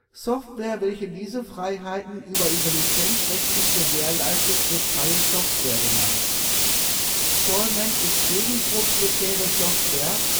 Software, welche diese Freiheiten (über ihre Lizenz) rechtlich gewährleistet, wird Freie Software (Free Software) genannt. Stallman ist gegen proprietäre Software